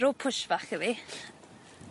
Ro push fach iddi.